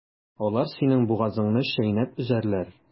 Алар синең бугазыңны чәйнәп өзәрләр.